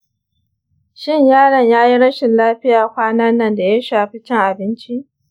shin yaron ya yi rashin lafiya kwanan nan da ya shafi cin abinci?